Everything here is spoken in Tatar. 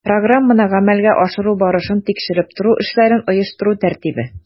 Программаны гамәлгә ашыру барышын тикшереп тору эшләрен оештыру тәртибе